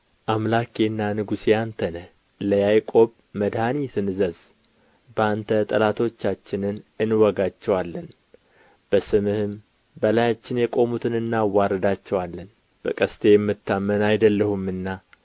አምላኬና ንጉሤ አንተ ነህ ለያዕቆብ መድኃኒትንህ እዘዝ በአንተ ጠላቶቻችንን እንወጋቸዋለን በስምህም በላያችን የቆሙትን እናዋርዳቸዋለን በቀስቴ የምታመን አይደለሁምና